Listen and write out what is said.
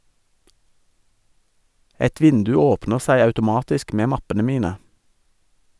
Et vindu åpner seg automatisk med mappene mine.